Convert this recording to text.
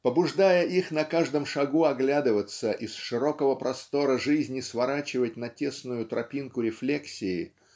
Побуждая их на каждом шагу оглядываться и с широкого простора жизни сворачивать на тесную тропинку рефлексии